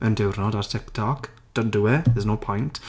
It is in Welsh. yn diwrnod ar TikTok. Don't do it. There's no point.